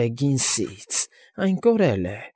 Բեգինս֊ս֊սից։ Այն կորել է։